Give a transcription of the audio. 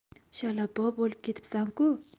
shalabbo bo'lib ketibsan ku